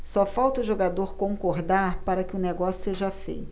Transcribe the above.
só falta o jogador concordar para que o negócio seja feito